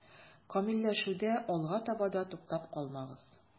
Камилләшүдә алга таба да туктап калмагыз.